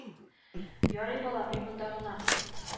Ярый балам мин монда гына